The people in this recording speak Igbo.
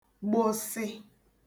gbụsị